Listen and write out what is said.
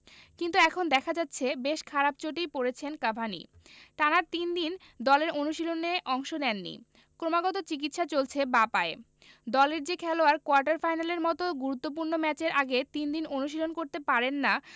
কিন্তু এখন দেখা যাচ্ছে বেশ খারাপ চোটেই পড়েছেন কাভানি টানা তিন দিন দলের অনুশীলনে অংশ নেননি ক্রমাগত চিকিৎসা চলছে বাঁ পায়ে দলের যে খেলোয়াড় কোয়ার্টার ফাইনালের মতো গুরুত্বপূর্ণ ম্যাচের আগে তিন দিন অনুশীলন করতে পারেন না